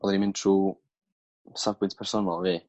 odda i'n mynd trw safbwynt personol fi